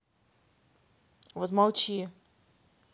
вот молчи